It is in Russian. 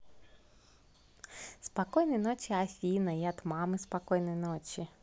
спокойной ночи афина и от мамы спокойной ночи